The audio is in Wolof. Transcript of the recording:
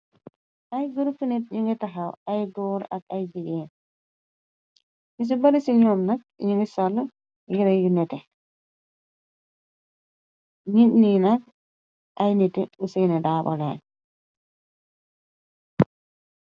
ay guru fnit ñu nga taxaw ay góor ak ay v ni ci bari ci ñoom nag yiñu ngi sol yéra yu nete nit ninak ay niti u séené daabaleen